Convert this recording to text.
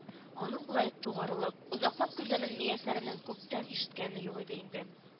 Аның болай тугарылып, озаклап көлгәнен Мияссәрәнең күптән ишеткәне юк иде инде